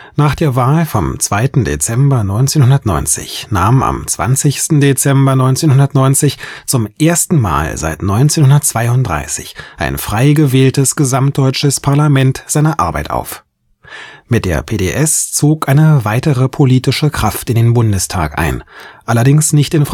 Nach der Wahl vom 2. Dezember 1990 nahm am 20. Dezember 1990 zum ersten Mal seit 1932 ein frei gewähltes gesamtdeutsches Parlament seine Arbeit auf. Mit der PDS zog eine weitere politische Kraft in den Bundestag ein, allerdings nicht in